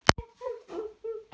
деньги только сосать умеете